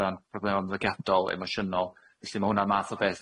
ran problema ymddygiadol emosiynol felly ma' hwnna'n math o beth